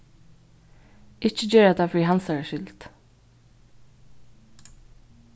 ikki gera tað fyri hansara skyld